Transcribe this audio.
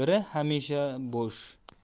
biri hamisha bo'sh